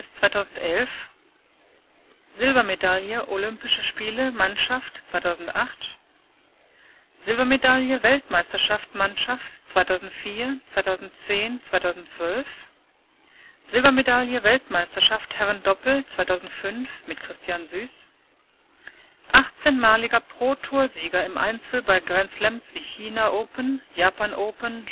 2011 Silbermedaille Olympische Spiele Mannschaft 2008 Silbermedaille Weltmeisterschaft Mannschaft 2004, 2010, 2012 Silbermedaille Weltmeisterschaft Herren-Doppel 2005 (mit Christian Süß) 18-maliger Pro Tour-Sieger im Einzel bei Grand Slams wie China Open, Japan Open, German